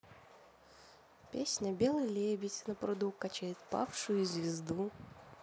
песня белый лебедь на пруду качает павшую звезду